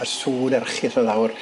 Yr sŵn erchyll do' lawr.